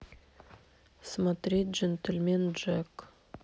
смотреть джентльмен джек